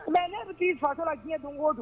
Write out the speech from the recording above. Mɛlen t'i fagatura diɲɛ don o don